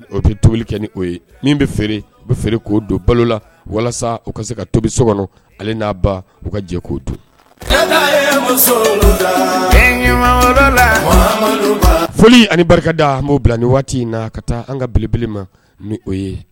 O tobili kɛ ni ye bɛ feere bɛ feere k'o don balo la walasa u ka se ka tobi so kɔnɔ ale n'a ba u ka jɛ k'o don foli ani barikada mo bila ni waati in na ka taa an ka bibeleman ni o ye